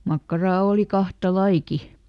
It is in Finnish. makkaraa oli kahta lajiakin